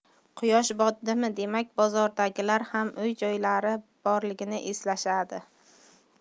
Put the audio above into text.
quyosh botdimi demak bozordagilar ham uy joylari borligini eslashadi